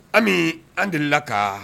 Ami an delila ka